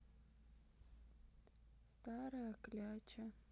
старая кляча